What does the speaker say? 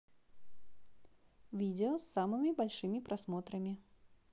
видео с самыми большими просмотрами